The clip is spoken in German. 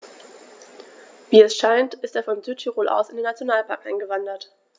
Wie es scheint, ist er von Südtirol aus in den Nationalpark eingewandert.